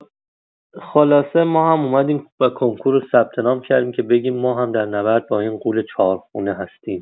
خلاصه، ما هم اومدیم و کنکور رو ثبت‌نام کردیم که بگیم ما هم درنبرد با این غول چهارخونه هستیم.